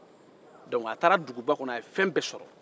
dɔnku a taara duguba kɔnɔ a ye fɛn bɛɛ sɔrɔ